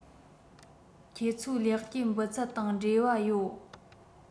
ཁྱེད ཚོའི ལེགས སྐྱེས འབུལ ཚད དང འབྲེལ བ ཡོད